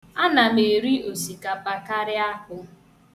Ana m eri osikpa karịa akpụ.